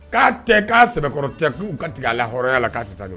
K'a tɛ k'a sɛbɛkɔrɔ tɛ k'u ka tigɛ a la hɔrɔnya la k'a tɛ taa ni